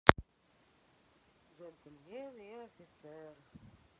джентльмен и офицер